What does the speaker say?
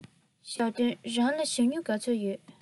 ཞའོ ཧུང རང ལ ཞྭ སྨྱུག ག ཚོད ཡོད